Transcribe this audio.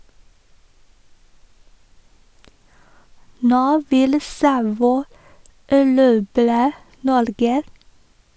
Nå vil Savoy erobre Norge.